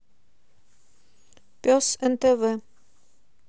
вспомнить что будет